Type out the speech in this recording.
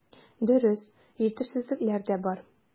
Дөрес, җитешсезлекләр дә бар.